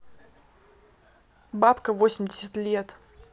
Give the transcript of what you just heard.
бабка восемьдесят лет